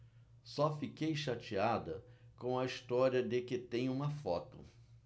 só fiquei chateada com a história de que tem uma foto